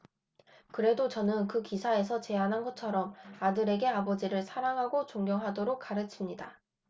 그래도 저는 그 기사에서 제안한 것처럼 아들에게 아버지를 사랑하고 존경하도록 가르칩니다